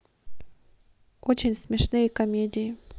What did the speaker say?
очень смешные комедии